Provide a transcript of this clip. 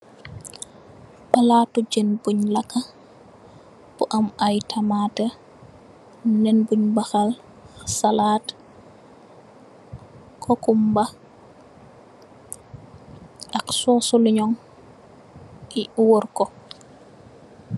Palati jin bun laka mu am tamate dom nen bun bahal, salad, cucumber ak sour si denying mu worr ko.